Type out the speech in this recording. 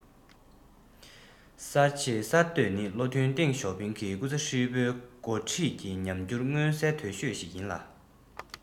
གསར འབྱེད གསར གཏོད ནི བློ མཐུན ཏེང ཞའོ ཕིང སྐུ ཚེ ཧྲིལ པོའི འགོ ཁྲིད ཀྱི ཉམས འགྱུར མངོན གསལ དོད ཤོས ཤིག ཡིན ལ